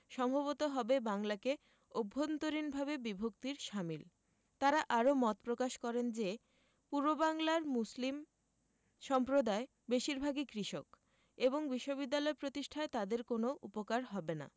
সম্ভবত হবে বাংলাকে অভ্যন্তরীণভাবে বিভক্তির শামিল তাঁরা আরও মত প্রকাশ করেন যে পূর্ববাংলার মুসলিম সম্প্রদায় বেশির ভাগই কৃষক এবং বিশ্ববিদ্যালয় প্রতিষ্ঠায় তাদের কোনো উপকার হবে না